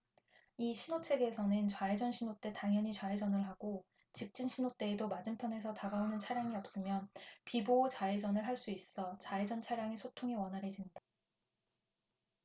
이 신호체계에서는 좌회전 신호 때 당연히 좌회전을 하고 직진 신호 때에도 맞은편에서 다가오는 차량이 없으면 비보호 좌회전을 할 수 있어 좌회전 차량의 소통이 원활해진다